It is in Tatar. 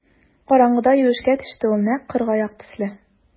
Караңгыда юешкә төште ул нәкъ кыргаяк төсле.